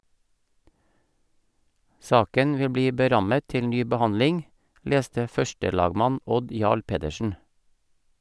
Saken vil bli berammet til ny behandling , leste førstelagmann Odd Jarl Pedersen.